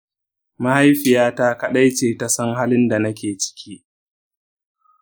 mahaifiya ta kaɗai ce ta san halin da nake ciki.